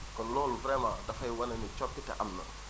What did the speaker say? kon loolu vraiment dafay wane ni coppite am na